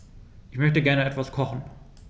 Ich möchte gerne etwas kochen.